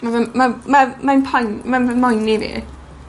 Ma' fe ma'n ma'n mae'n peon. Ma'n fy moeni fi.